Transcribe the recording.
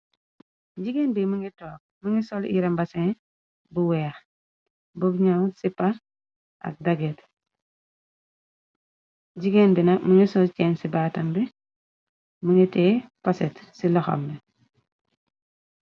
jigéen bi mëngi toop më ngi sol irambasin bu weex bu ñaw ci par ak daget jigéen bina mëngi sol ceng ci baatam bi mungi tee faset ci loxam bi